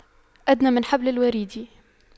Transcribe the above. أدنى من حبل الوريد